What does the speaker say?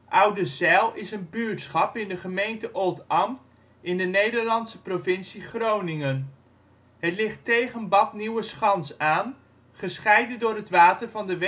Oudezijl is een buurtschap in de gemeente Oldambt, provincie Groningen (Nederland). Het ligt tegen Bad Nieuweschans aan, gescheiden door het water van de